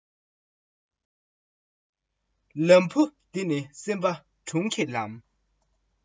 ཐུག རྒྱུ གང ཡོད ཅི ཡོད སེམས ལ ཐུག